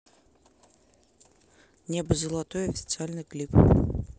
небо золотое официальный клип